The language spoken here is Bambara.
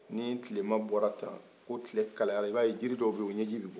ni tileman bɔra tan ni tile kalayara i b'a ye jiridɔw be ye u ɲɛji be bɔ